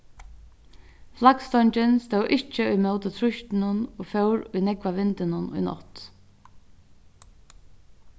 flaggstongin stóð ikki ímóti trýstinum og fór í nógva vindinum í nátt